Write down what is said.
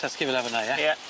Tasgu fe lan fyn 'na ie? Ie.